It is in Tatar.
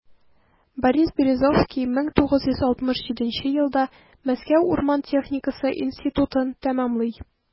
Борис Березовский 1967 елда Мәскәү урман техникасы институтын тәмамлый.